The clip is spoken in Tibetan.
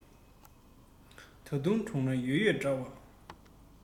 ད དུང དྲུང ན ཡོད ཡོད འདྲ བ